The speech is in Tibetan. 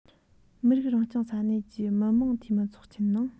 མི རིགས རང སྐྱོང ས གནས ཀྱི མི དམངས འཐུས མི ཚོགས ཆེན ནང